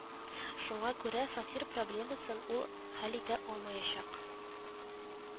Шуңа күрә фатир проблемасын ул хәл итә алмаячак